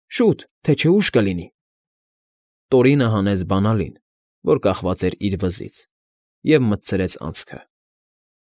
Շուտ, թէ չէ ուշ կլինի։ Տորինը հանեց բանալին, որ կախված էր իր վզից, և մտցրեց անցքը։